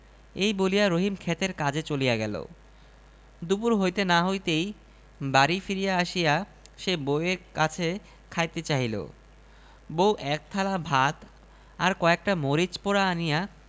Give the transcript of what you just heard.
এমন বউ এর কি শাস্তি হইতে পারে বউ তখন হাত জোড় করিয়া বলিল দোহাই আপনাদের সকলের আপনারা ভালোমতো পরীক্ষা করিয়া দেখেন আমার সোয়ামীর মাথা খারাপ হইয়া সে যাতা বলিতেছে কিনা